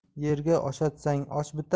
yerga oshatsang osh